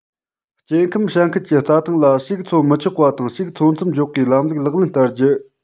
སྐྱེ ཁམས ཞན ཁུལ གྱི རྩྭ ཐང ལ ཕྱུགས འཚོ མི ཆོག པ དང ཕྱུགས འཚོ མཚམས འཇོག པའི ལམ ལུགས ལག ལེན བསྟར རྒྱུ